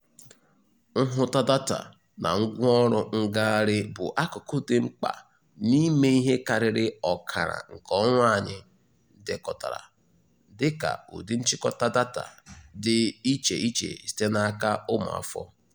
Nhụta data na ngwaọrụ ngagharị bụ akụkụ dị mkpa n'ime ihe karịrị ọkara nke ọrụ anyị dekọtara, dịka ụdị nchịkọta data dị icheiche si n'aka ụmụafọ.